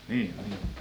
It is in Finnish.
niin